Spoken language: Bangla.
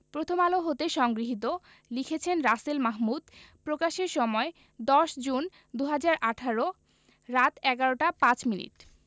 প্রথমআলো হতে সংগৃহীত লিখেছেন রাসেল মাহমুদ প্রকাশের সময় ১০ জুন ২০১৮ রাত ১১টা ৫ মিনিট